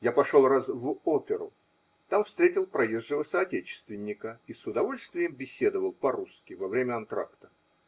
Я пошел раз в оперу, там встретил проезжего соотечественника и с удовольствием беседовал по-русски во время антракта.